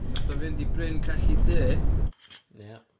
Nath o fynd i Bryn Celli Du. Ia.